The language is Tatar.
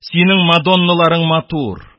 Синең мадонналарың матур!